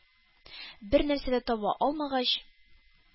Бер нәрсә дә таба алмагач: